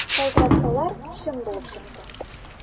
Шалтыратсалар, чын булып чыкты.